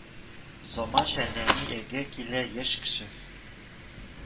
Заманча нәти әгә килә яшь кеше